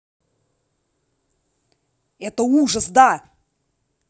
это ужас да